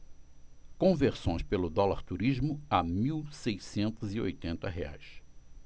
conversões pelo dólar turismo a mil seiscentos e oitenta reais